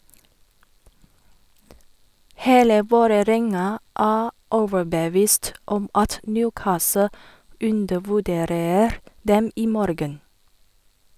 Hele Vålerenga er overbevist om at Newcastle undervurderer dem i morgen.